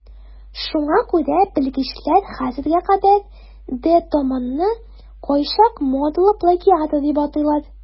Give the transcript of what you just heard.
Шуңа күрә белгечләр хәзергә кадәр де Томонны кайчак модалы плагиатор дип атыйлар.